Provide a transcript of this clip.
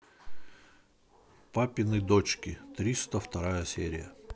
папины дочки триста вторая серия